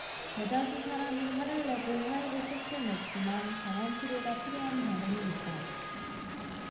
대다수 사람이 화를 내고 화해로 끝을 맺지만 병원 치료가 필요한 경우는 있다